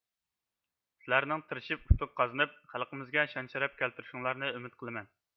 سىلەرنىڭ تىرىشىپ ئۇتۇق قازىنىپ خەلقىمىزگە شان شەرەپلەرنى كەلتۈرۈشۈڭلارنى ئۈمىد قىلىمەن